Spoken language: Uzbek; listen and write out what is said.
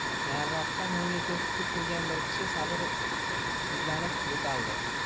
nariroqda nonga ko'z tikib turgan bir kishi sabr sizlanib yo'taldi